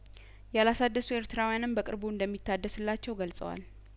ያላሳደሱ ኤርትራውያንም በቅርቡ እንደሚታደስላቸው ገልጸዋል